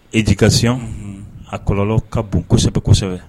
E' kasi a kɔlɔ ka bon kosɛbɛ kosɛbɛ